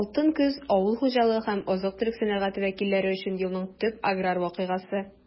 «алтын көз» - авыл хуҗалыгы һәм азык-төлек сәнәгате вәкилләре өчен елның төп аграр вакыйгасы.